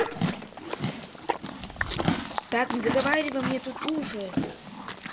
так не заговаривай мне тут уши